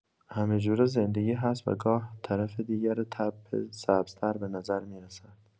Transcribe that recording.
همه‌جور زندگی هست، و گاه طرف دیگر تپه سبزتر به نظر می‌رسد.